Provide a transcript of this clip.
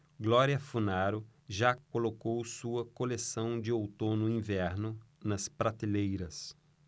glória funaro já colocou sua coleção de outono-inverno nas prateleiras